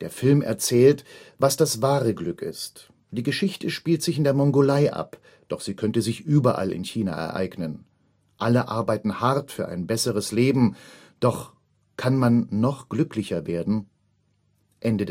Der Film erzählt, was das wahre Glück ist. Die Geschichte spielt sich in der Mongolei ab, doch sie könnte sich überall in China ereignen. Alle arbeiten hart für ein besseres Leben, doch kann man noch glücklicher werden? “Der